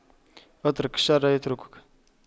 اترك الشر يتركك